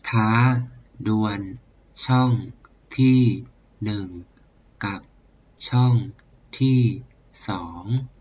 ท้าดวลช่องที่หนึ่งกับช่องที่สอง